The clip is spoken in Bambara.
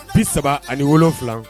P saba ani wolonwula